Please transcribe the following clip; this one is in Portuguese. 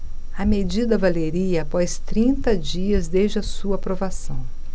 a medida valeria após trinta dias desde a sua aprovação